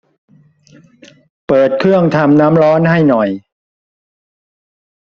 เปิดเครื่องทำน้ำร้อนให้หน่อย